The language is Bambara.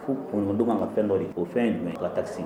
o fɛn in ye jumɛn ye? U ka taxes